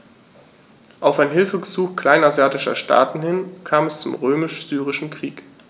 Auf ein Hilfegesuch kleinasiatischer Staaten hin kam es zum Römisch-Syrischen Krieg.